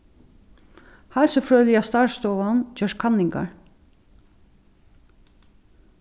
heilsufrøðiliga starvsstovan gjørt kanningar